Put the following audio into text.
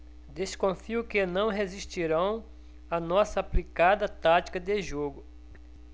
desconfio que não resistirão à nossa aplicada tática de jogo